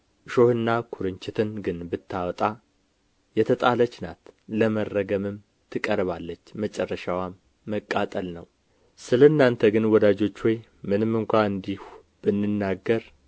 እሾህና ኵርንችትን ግን ብታወጣ የተጣለች ናት ለመረገምም ትቀርባለች መጨረሻዋም መቃጠል ነው ስለ እናንተ ግን ወዳጆች ሆይ ምንም እንኳ እንዲሁ ብንናገር